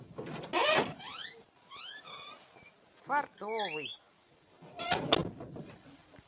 фартовый